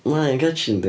Ma o'n catchy yndi.